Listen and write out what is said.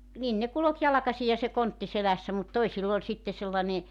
niin ne kulki jalkaisin ja se kontti selässä mutta toisilla oli sitten sellainen